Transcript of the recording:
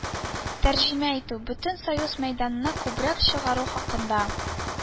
Тәрҗемә итү, бөтен союз мәйданына күбрәк чыгару хакында